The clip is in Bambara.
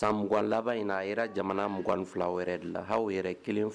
San mugan laban in aa yɛrɛ jamana mugan fila wɛrɛ de la aw yɛrɛ kelen fɛ